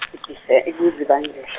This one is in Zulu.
kuZibandlela.